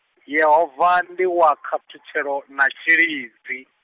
Yehova ndi wa khathutshelo, na tshilidzi.